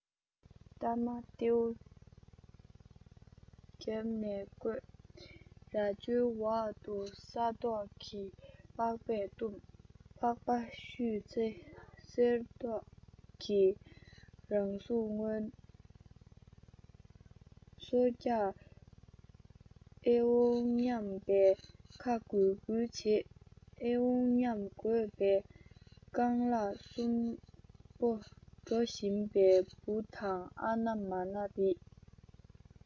སྟ མ སྟེའུ བརྒྱབ ནས བརྐོས རྭ ཅོའི འོག ཏུ ས མདོག གིས པགས པས བཏུམས པགས པ བཤུས ཚེ གསེར མདོག གི རང གཟུགས མངོན སོ རྒྱག ཨེ འོང སྙམ པའི ཁ འགུལ འགུལ བྱེད ཨེ འོང སྙམ དགོས པའི རྐང ལག གསོན པོ འགྲོ བཞིན པའི འབུ དང ཨ ན མ ན རེད